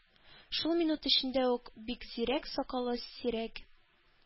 Шул минут эчендә үк Бикзирәк-Сакалы сирәк